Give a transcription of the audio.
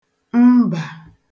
mbà